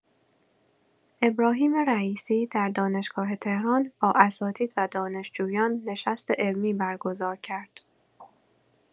ابراهیم رئیسی در دانشگاه تهران با اساتید و دانشجویان نشست علمی برگزار کرد.